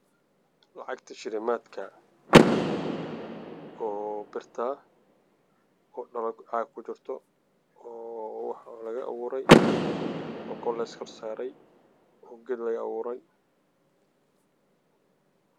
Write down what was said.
Waa shilimaan yar oo dahab ah